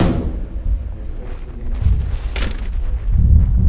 возвращение крыма под песню цоя